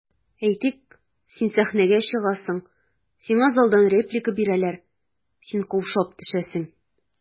Әйтик, сәхнәгә чыгасың, сиңа залдан реплика бирәләр, син каушап төшәсең.